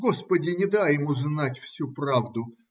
Господи, не дай им узнать всю правду!